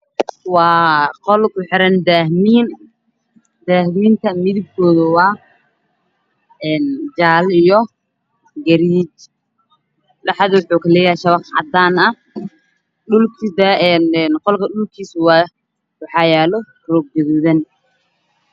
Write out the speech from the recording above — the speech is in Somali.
Waa qolku xiran daahman midabkeedu waa jaale iyo gariij dhexda waxuu kaleeyahay shabaq cadaan ah, qolka dhulkiisa waxaa yaalo roog gaduudan.